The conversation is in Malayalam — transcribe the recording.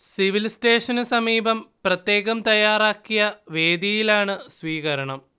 സിവിൽ സേ്റ്റഷന് സമീപം പ്രത്യേകം തയ്യാറാക്കിയ വേദിയിലാണ് സ്വീകരണം